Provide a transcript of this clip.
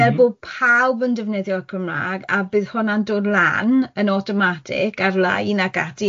fel bo' pawb yn defnyddio'r Gymrâg, a bydd hwnna'n dod lan yn awtomatig ar-lein ac ati